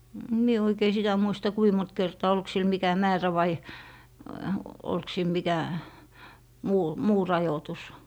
en minä oikein sitä muista kuinka monta kertaa oliko sillä mikä määrä vai oliko sillä mikä muu muu rajoitus